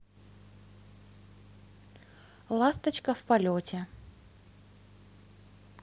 ласточка в полете